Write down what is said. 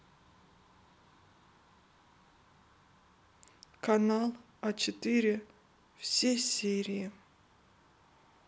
канал а четыре все серии